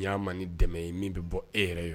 Y'a ma ni dɛmɛ ye min bɛ bɔ e yɛrɛ yɔrɔ